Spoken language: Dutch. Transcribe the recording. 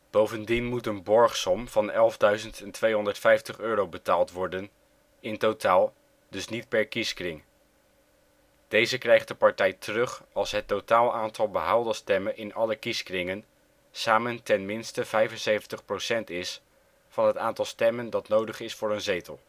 Bovendien moet een borgsom van € 11.250 betaald worden (in totaal, dus niet per kieskring). Deze krijgt de partij terug als het totaal aantal behaalde stemmen in alle kieskringen samen tenminste 75 % is van het aantal stemmen dat nodig is voor een zetel